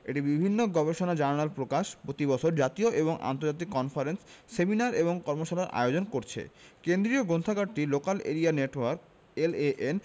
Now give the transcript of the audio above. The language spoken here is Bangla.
এটি বিভিন্ন গবেষণা জার্নাল প্রকাশ প্রতি বছর জাতীয় এবং আন্তর্জাতিক কনফারেন্স সেমিনার এবং কর্মশালার আয়োজন করছে কেন্দ্রীয় গ্রন্থাগারটি লোকাল এরিয়া নেটওয়ার্ক এলএএন